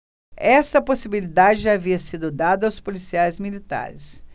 essa possibilidade já havia sido dada aos policiais militares